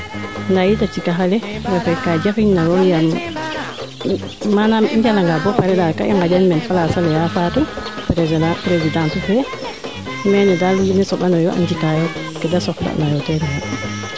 nda yit a cikaxa le refe kaa jafeñ na lool yaam manaam i njala nga boo pare daal kaa i nganjan place ale Ya Fatou presidente fee meene daal wiin we sombanoyo a njiakaayo keede soxla nayo teeno yo